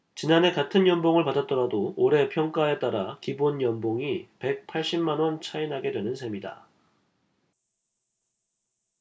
지난해 같은 연봉을 받았더라도 올해 평가에 따라 기본연봉이 백 팔십 만원 차이 나게 되는 셈이다